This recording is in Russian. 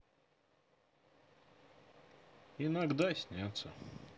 иногда снятся